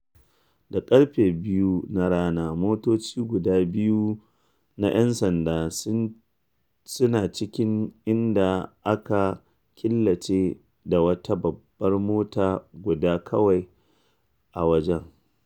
Da karfe 2 na rana motoci guda biyu na ‘yan sanda suna cikin inda aka killace da wata babbar mota guda kawai a waje.